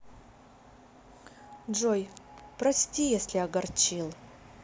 джой прости если огорчил